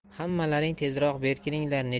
hammalaring tezroq berkininglar